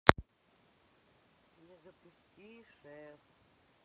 не запусти шеф